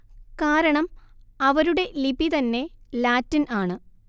കാരണം അവരുടെ ലിപി തന്നെ ലാറ്റിൻ ആണ്